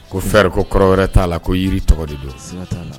Ko faire ko kɔrɔ wɛrɛ ta la ko yiri tɔgɔ de don.